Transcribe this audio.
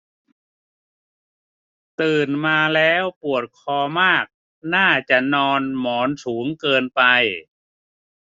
ตื่นมาแล้วปวดคอมากน่าจะนอนหมอนสูงเกินไป